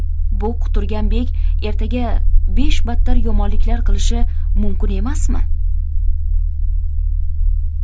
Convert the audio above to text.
bu quturgan bek ertaga beshbattar yomonliklar qilishi mumkin emasmi